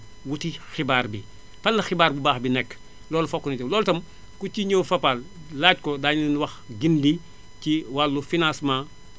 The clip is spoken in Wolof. wuti xibaar bi fan la xibar bu baax bi nekk loolu fokk ñu loolu itam ku ci ñëw Fapal laaj ko daañu leen wax gindi ci wàllu financement